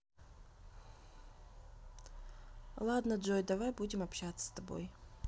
ладно джой давай будем общаться с тобой